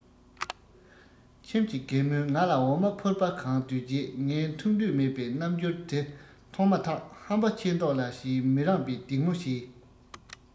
ཁྱིམ གྱི རྒན མོས ང ལ འོ མ ཕོར པ གང ལྡུད རྗེས ངའི འཐུང འདོད མེད པའི རྣམ འགྱུར དེ མཐོང མ ཐག ཧམ པ ཆེ མདོག ལ ཞེས མི རངས པའི སྡིགས མོ བྱས